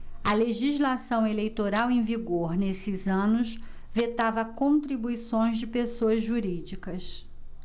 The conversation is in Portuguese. a legislação eleitoral em vigor nesses anos vetava contribuições de pessoas jurídicas